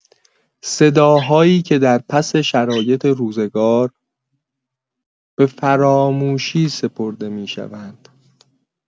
صداهایی که در پس‌شرایط روزگار به فراموشی سپرده می‌شوند.